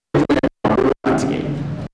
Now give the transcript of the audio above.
tigɛ